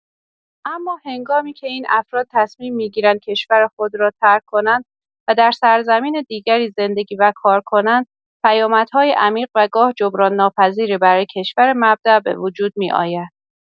اما هنگامی‌که این افراد تصمیم می‌گیرند کشور خود را ترک کنند و در سرزمین دیگری زندگی و کار کنند، پیامدهای عمیق و گاه جبران‌ناپذیری برای کشور مبدأ به وجود می‌آید.